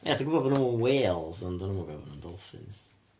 Ia dwi'n gwbod bod nhw ddim yn whales ond do'n i'm yn gwbod bod nhw'n dolffins.